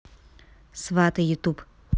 сваты ютуб